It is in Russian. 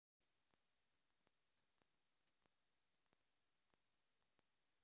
как включить игры